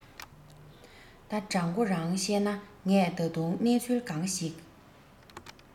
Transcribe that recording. ད དྲང གོ རང གཤས ན ངས ད དུང གནས ཚུལ གང ཞིག